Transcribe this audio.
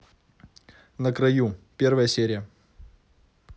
на краю первая серия